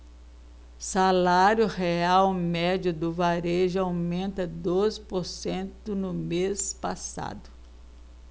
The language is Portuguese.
salário real médio do varejo aumenta doze por cento no mês passado